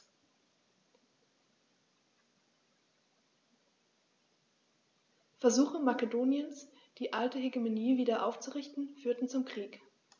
Versuche Makedoniens, die alte Hegemonie wieder aufzurichten, führten zum Krieg.